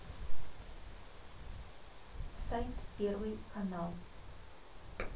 сайт первый канал